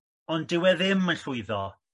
ond dyw e ddim yn llwyddo